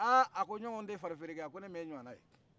aa a ko ɲɔngɔn den farifereke a ko ne m'e ɲɔgɔnna ye